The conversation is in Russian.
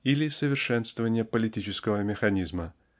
или совершенствование политического механизма